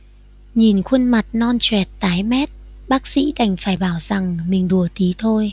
nhìn khuôn mặt non choẹt tái mét bác sĩ đành phải bảo rằng mình đùa tí thôi